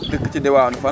dëkk ci diwaanu fan